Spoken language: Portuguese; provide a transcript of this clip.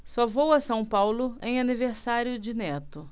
só vou a são paulo em aniversário de neto